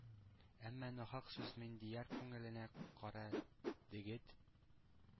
Әмма нахак сүз Миндияр күңеленә кара дегет